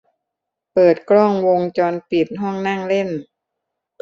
เปิดกล้องวงจรปิดห้องนั่งเล่น